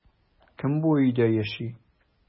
Кем бу өйдә яши?